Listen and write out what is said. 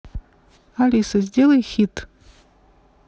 алиса сделай хит